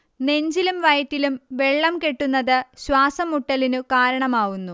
നെഞ്ചിലും വയറ്റിലും വെള്ളം കെട്ടുന്നത് ശ്വാസം മുട്ടലിനു കാരണമാവുന്നു